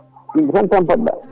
ko yimɓe tan tampanɗa